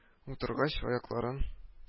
Утыргыч аякларын